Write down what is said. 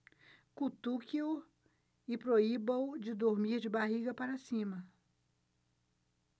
cutuque-o e proíba-o de dormir de barriga para cima